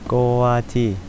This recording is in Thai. โกวาจี